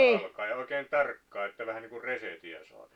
alkaen ja oikein tarkkaan että vähän niin kuin reseptiä saataisiin